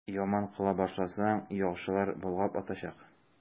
Яман кыла башласаң, яхшылар болгап атачак.